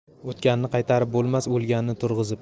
o'tganni qaytarib bo'lmas o'lganni turg'izib